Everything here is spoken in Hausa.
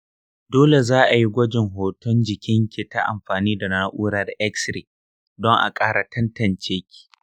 dole za'ayi gwajin hoton jikinki ta amfani da na’urar x-ray don a kara tantance ki.